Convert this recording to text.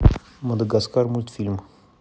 мадагаскар мультфильм